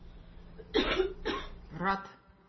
рад